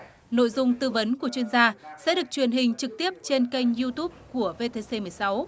nội dung tư vấn của chuyên gia sẽ được truyền hình trực tiếp trên kênh youtube của vê tê xê mười sáu